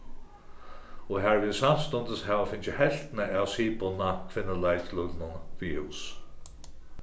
og har vit samstundis hava fingið helvtina av siðbundna kvinnuleiklutinum við hús